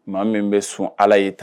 Maa min bɛ sun ala ye tan